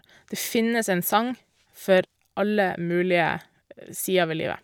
Det finnes en sang for alle mulige sider ved livet.